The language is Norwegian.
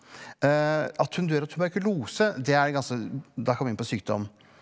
at hun dør av tuberkulose det er ganske da kommer vi inn på sykdom.